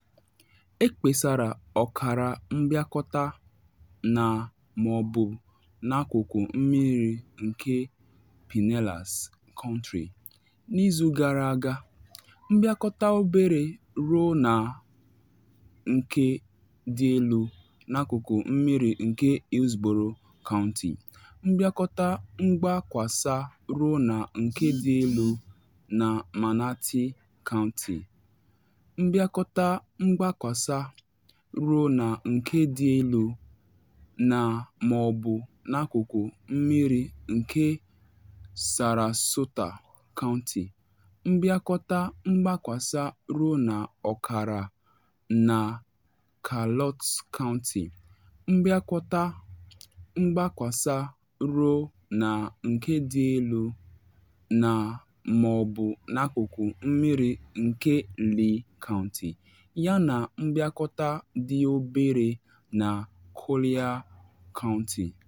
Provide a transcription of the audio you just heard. Ekpesara ọkara mbịakọta na ma ọ bụ n’akụkụ mmiri nke Pinellas Country n’izu gara aga, mbịakọta obere ruo na nke dị elu n’akụkụ mmiri nke Hillsborough County, mbịakọta mgbakwasa ruo na nke dị elu na Manatee County, mbịakọta mgbakwasa ruo na nke dị elu na ma ọ bụ n’akụkụ mmiri nke Sarasota County, mbịakọta mgbakwasa ruo na ọkara na Charlotte County, mbịakọta mgbakwasa ruo na nke dị elu na ma ọ bụ n’akụkụ mmiri nke Lee County, yana mbịakọta dị obere na Collier County.